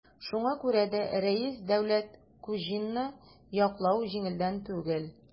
Шуңа күрә дә Рәис Дәүләткуҗинны яклау җиңелдән түгел.